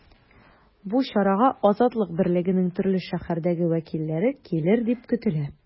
Бу чарага “Азатлык” берлегенең төрле шәһәрдәге вәкилләре килер дип көтелә.